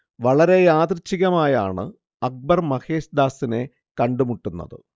വളരെ യാദൃച്ഛികമായാണ് അക്ബർ മഹേശ് ദാസിനെ കണ്ടുമുട്ടുന്നത്